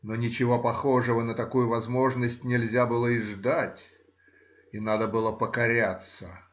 Но ничего похожего на такую возможность нельзя было и ждать — и надо было покоряться.